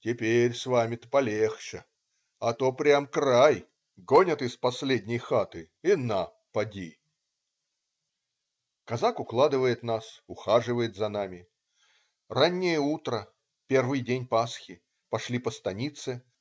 Теперь с вами-то полегче, а то прямо край, гонят из последней хаты и на поди. " Казак укладывает нас. Ухаживает за нами. Раннее утро. Первый день Пасхи. Пошли по станице.